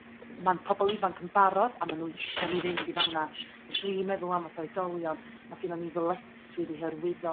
Ma'n pobl ifanc yn barod a ma' nhw isio ni fynd i fan 'na a dwi meddwl am fath a oedolion ma' gynno ni ddyletswydd i hyrwyddo